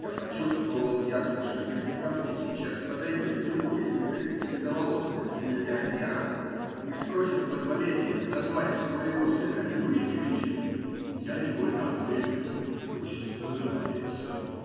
Я почувствовал ясно, что если ко мне сейчас подойдет любой из этих седоволосых миллионеров и спросит позволения назвать своего сына Рюриковичем, я невольно отвечу: пусть называется.